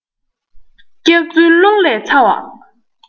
སྐྱག རྫུན རླུང ལས ཚ བ